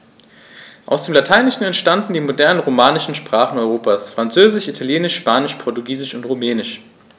Aus dem Lateinischen entstanden die modernen „romanischen“ Sprachen Europas: Französisch, Italienisch, Spanisch, Portugiesisch und Rumänisch.